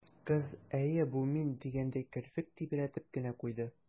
Кыз, «әйе, бу мин» дигәндәй, керфек тибрәтеп кенә куйды.